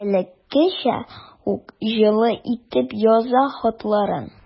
Элеккечә үк җылы итеп яза хатларын.